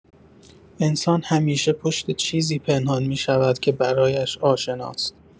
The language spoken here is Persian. انسان همیشه پشت چیزی پنهان می‌شود که برایش آشناست.